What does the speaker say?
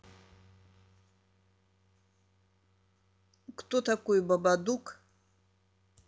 кто такой бабадук